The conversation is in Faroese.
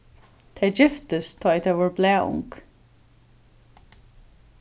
tey giftust tá ið tey vóru blaðung